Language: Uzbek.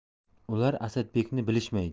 ular asadbekni bilishmaydi